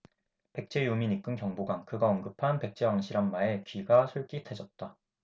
백제 유민 이끈 경복왕그가 언급한 백제왕씨란 말에 귀가 솔깃해졌다